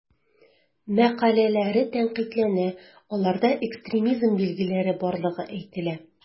Мәкаләләре тәнкыйтьләнә, аларда экстремизм билгеләре барлыгы әйтелә.